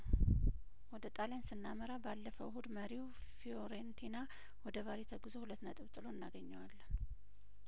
ወደ ጣልያን ስናመራ ባለፈው እሁድ መሪው ፊዮሬንቲና ወደ ባሪ ተጉዞ ሁለት ነጥብ ጥሎ እናገኘዋለን